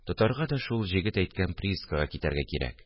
– тотарга да шул җегет әйткән приискага китәргә кирәк